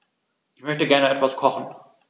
Ich möchte gerne etwas kochen.